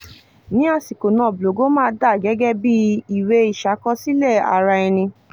Ní àsìkò náà, Blogoma dà gẹ́gẹ́ bíi ìwé ìṣàkọsílẹ̀ ara-ẹni.